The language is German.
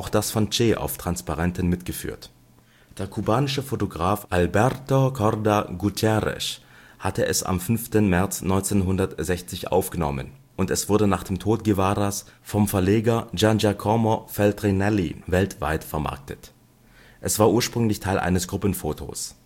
das von Che auf Transparenten mitgeführt. Der kubanische Fotograf Alberto Korda Gutierrez hatte es am 5. März 1960 aufgenommen, und es wurde nach dem Tod Guevaras vom Verleger Giangiacomo Feltrinelli weltweit vermarktet; es war ursprünglich Teil eines Gruppenfotos